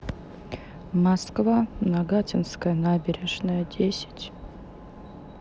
москва нагатинская набережная десять